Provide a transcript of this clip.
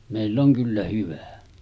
meillä on kyllä hyvä